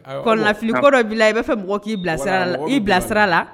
Kɔnɔnafili ko dɔ b'i la, i b'a fɛ mɔgɔ k'i bilasira, i bilasira la